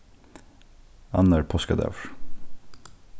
annar páskadagur